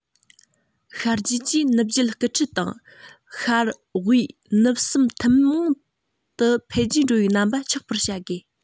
ཤར རྒྱུད ཀྱིས ནུབ རྒྱུད སྐུལ ཁྲིད དང ཤར དབུས ནུབ གསུམ ཐུན མོང དུ འཕེལ རྒྱས འགྲོ བའི རྣམ པ ཆགས པར བྱ དགོས